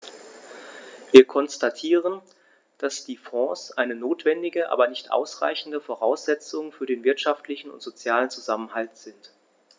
Wir konstatieren, dass die Fonds eine notwendige, aber nicht ausreichende Voraussetzung für den wirtschaftlichen und sozialen Zusammenhalt sind.